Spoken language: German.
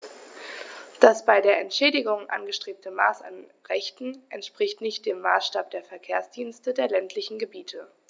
Das bei der Entschädigung angestrebte Maß an Rechten entspricht nicht dem Maßstab der Verkehrsdienste der ländlichen Gebiete.